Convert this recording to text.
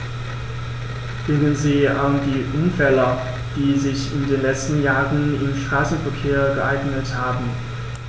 Denken Sie an die Unfälle, die sich in den letzten Jahren im Straßenverkehr ereignet haben.